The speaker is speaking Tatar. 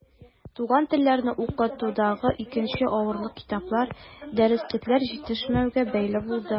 Туган телләрне укытудагы икенче авырлык китаплар, дәреслекләр җитешмәүгә бәйле булды.